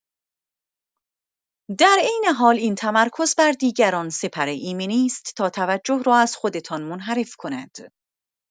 در عین‌حال این تمرکز بر دیگران سپر ایمنی است تا توجه را از خودتان منحرف کند.